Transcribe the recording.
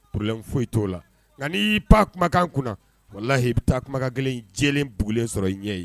Problème foyi t'o la nka ni y'i pan kumakan kunna walahi i bɛ taa kuma 1 jɛɛlen dogolen sɔrɔ i ɲɛ ye.